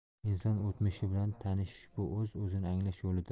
inson o'tmishi bilan tanishish bu o'z o'zini anglash yo'lidir